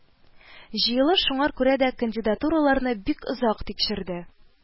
Җыелыш шуңар күрә дә кандидатураларны бик озак тикшерде